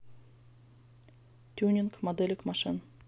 тюнинг моделек машин